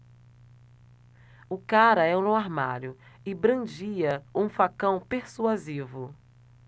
o cara era um armário e brandia um facão persuasivo